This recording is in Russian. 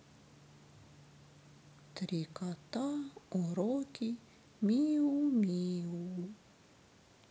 три кота уроки миу миу